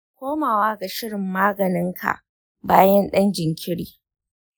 komawa ga shirin maganinka bayan ɗan jinkiri.